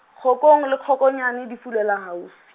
kgokong le kgokonyane di fulela haufi.